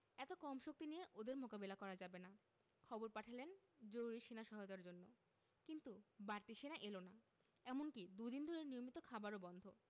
এত কম শক্তি নিয়ে ওদের মোকাবিলা করা যাবে না খবর পাঠালেন জরুরি সেনা সহায়তার জন্য কিন্তু বাড়তি সেনা এলো না এমনকি দুই দিন ধরে নিয়মিত খাবারও বন্ধ